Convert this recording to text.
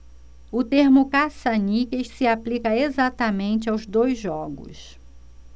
o termo caça-níqueis se aplica exatamente aos dois jogos